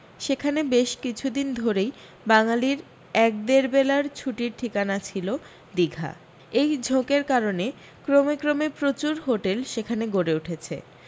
সেখানে বেশ কিছু দিন ধরেই বাঙালির এক দেড় বেলার ছুটির ঠিকানা ছিল দিঘা এই ঝোঁকের কারণে ক্রমে ক্রমে প্রচুর হোটেল সেখানে গড়ে উঠেছে